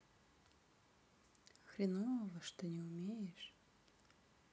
хренового что не умеешь